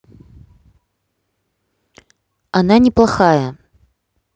она не плохая